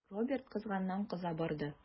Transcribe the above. Роберт кызганнан-кыза барды.